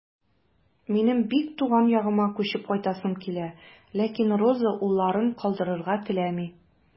Минем бик туган ягыма күчеп кайтасым килә, ләкин Роза улларын калдырырга теләми.